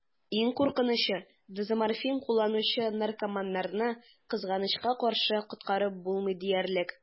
Иң куркынычы: дезоморфин кулланучы наркоманнарны, кызганычка каршы, коткарып булмый диярлек.